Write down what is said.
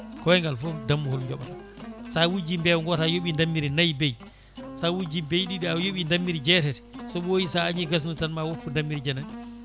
koygal foof ko dammuwol jooɓata sa wujji mbeewa goota a hooɓi dammiri naayi beeyi sa wujji beeyi ɗiɗi a hooɓi dammiri jeetati so ɓooyi sa añi gasnude tan ma woppu dammiri janadi